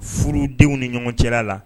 Furu denw ni ɲɔgɔn cɛla la